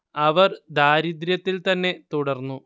അവർ ദാരിദ്ര്യത്തിൽ തന്നെ തുടർന്നു